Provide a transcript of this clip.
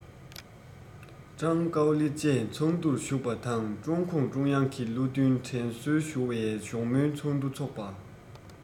ཀྲང ཀའོ ལི བཅས ཚོགས འདུར ཞུགས པ དང ཀྲུང གུང ཀྲུང དབྱང གིས བློ མཐུན དྲན གསོ ཞུ བའི བཞུགས མོལ ཚོགས འདུ འཚོགས པ